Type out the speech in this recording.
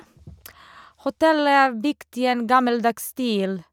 Hotellet er bygd i en gammeldags stil.